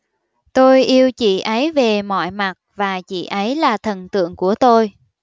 tôi yêu chị ấy về mọi mặt và chị ấy là thần tượng của tôi